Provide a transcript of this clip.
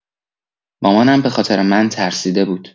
مامانم به‌خاطر من ترسیده بود.